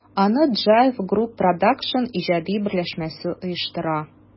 Аны JIVE Group Produсtion иҗади берләшмәсе оештыра.